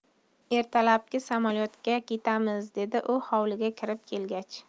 ertalabki samolyotda ketamiz dedi u hovliga kirib kelgach